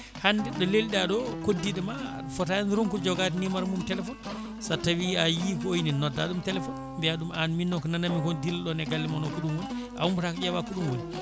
hande ɗo leeliɗaɗo koddiɗo ma a footani ronkude jogade numéro mum téléphone so tawi a yii ko wayno ni nodda ɗum téléphone mbiya ɗum an min noon ko nananmi ko ne dilla ɗon e galle moon o ko ɗum woni a ummotako ƴeewa ko ɗum woni